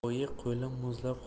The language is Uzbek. oyi qo'lim muzlab